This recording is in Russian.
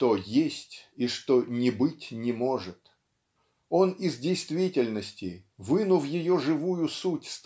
что есть и что не быть не может. Он из действительности вынув ее живую суть